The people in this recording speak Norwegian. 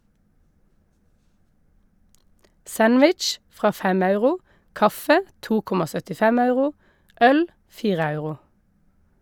Sandwich fra 5 euro, kaffe 2,75 euro, øl 4 euro.